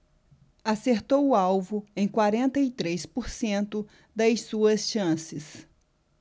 acertou o alvo em quarenta e três por cento das suas chances